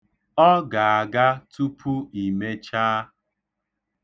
O ga-aga tupu i mechaa.